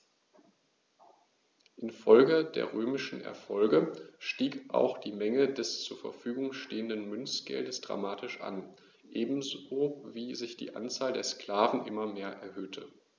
Infolge der römischen Erfolge stieg auch die Menge des zur Verfügung stehenden Münzgeldes dramatisch an, ebenso wie sich die Anzahl der Sklaven immer mehr erhöhte.